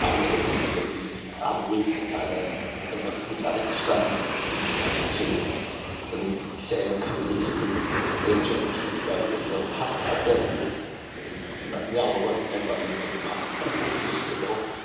amlwg yd- ydi'r arwydd yym yng nghyffia Wrecsam n- sy'n yy yn lle cyfieithu Heitch Em Pee Berwyn fel carchar Berwyn yy ma'n 'i alw efo n- yy rwfath cwbwl ddiystyr fel